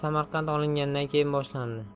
samarqand olingandan keyin boshlandi